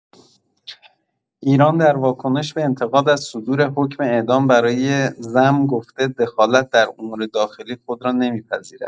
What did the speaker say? ایران در واکنش به انتقاد از صدور حکم اعدام برای زم گفته دخالت در امور داخلی خود را نمی‌پذیرد.